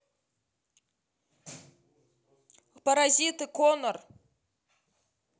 паразиты коннор